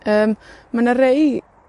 Yym, ma 'na rei,